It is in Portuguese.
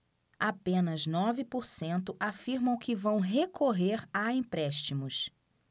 apenas nove por cento afirmam que vão recorrer a empréstimos